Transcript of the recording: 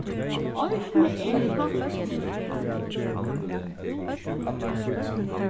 eisini er saltfiskur